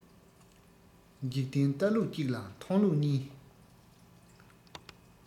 འཇིག རྟེན ལྟ ལུགས གཅིག ལ མཐོང ལུགས གཉིས